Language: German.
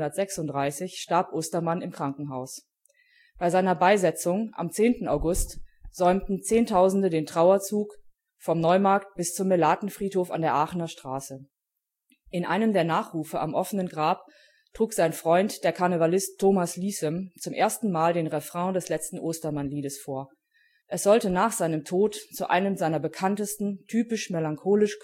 1936 starb Ostermann im Krankenhaus. Bei seiner Beisetzung am 10. August säumten Zehntausende den Trauerzug vom Neumarkt bis zum Melaten-Friedhof an der Aachener Straße. In einem der Nachrufe am offenen Grab trug sein Freund, der Karnevalist Thomas Liessem zum ersten Mal den Refrain des letzten Ostermann-Liedes vor. Es sollte nach seinem Tod zu einem seiner bekanntesten, typisch melancholisch-kölschen